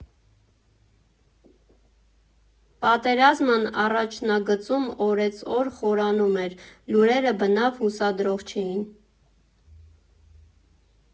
Պատերազմն առաջնագծում օրերցօր խորանում էր, լուրերը բնավ հուսադրող չէին։